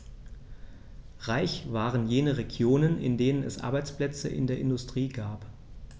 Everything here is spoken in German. Reich waren jene Regionen, in denen es Arbeitsplätze in der Industrie gab.